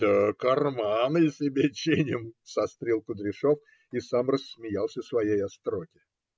- Да карманы себе чиним, - сострил Кудряшов и сам рассмеялся своей остроте.